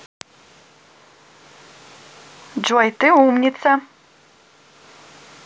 джой ты умница